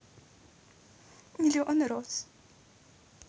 миллион роз